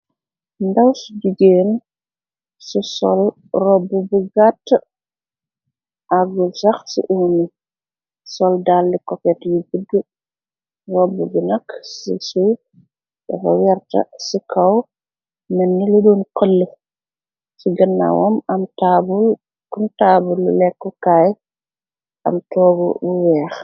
Ndaw su jigeen ci sol robb bu gàtt agu sax ci ommi, sol dalli kofet yu guddu robb bi nakk ci suf dafa werta ci kaw mën ni lu duon xule , ci gënna wam am taablu lekkukaay, am toogu bu weex.